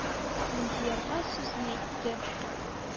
Миндиярга сүзен әйтте: